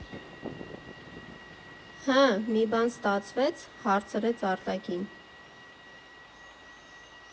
Հը, մի բան ստացվե՞ց, ֊ հարցրեց Արտակին։